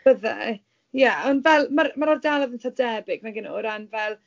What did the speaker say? Byddai. Ie, ond fel ma'r ma'r ardaloedd yn eitha debyg nagyn nhw o ran fel...